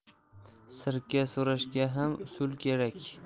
sirka so'rashga ham usul kerak